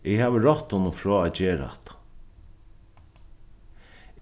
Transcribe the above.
eg havi rátt honum frá at gera hatta